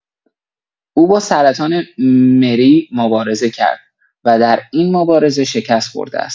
او با سرطان مری مبارزه کرده و در این مبارزه شکست‌خورده است.